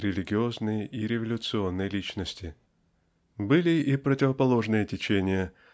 религиозной и революционной личности. Были и противоположные течения